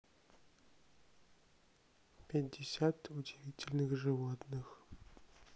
пятьдесят удивительных животных